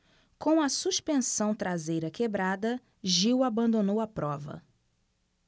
com a suspensão traseira quebrada gil abandonou a prova